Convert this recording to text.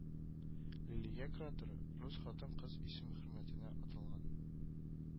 Лилия кратеры рус хатын-кыз исеме хөрмәтенә аталган